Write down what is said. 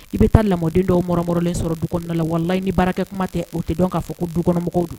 I bɛ taa lamɔdenw dɔwɔrɔɔrɔlen sɔrɔ du kɔnɔna lawalela ni baarakɛ kuma tɛ o tɛ dɔn ka'a fɔ ko dukɔnɔmɔgɔw don